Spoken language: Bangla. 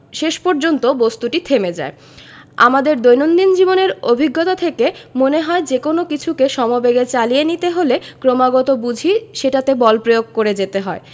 শেষ পর্যন্ত বস্তুটা থেমে যায় আমাদের দৈনন্দিন জীবনের অভিজ্ঞতা থেকে মনে হয় যেকোনো কিছুকে সমবেগে চালিয়ে নিতে হলে ক্রমাগত বুঝি সেটাতে বল প্রয়োগ করে যেতে হয়